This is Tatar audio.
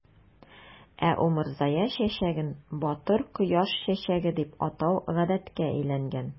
Ә умырзая чәчәген "батыр кояш чәчәге" дип атау гадәткә әйләнгән.